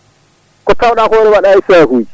ko tawɗa ko ene waɗa e sakuji